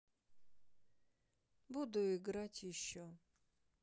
буду играть еще